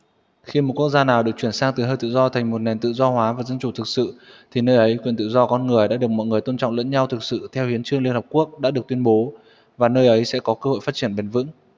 khi một quốc gia nào được chuyển sang từ hơi tự do thành một nền tự do hóa và dân chủ thực sự thì nơi ấy quyền tự do của con người đã được mọi người tôn trọng lẫn nhau thực sự theo hiến chương liên hiệp quốc đã được tuyên bố và nơi ấy sẽ có cơ hội phát triển bền vững